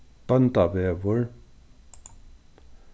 bóndavegur